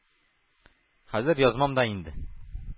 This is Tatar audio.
Хәзер язмам да инде.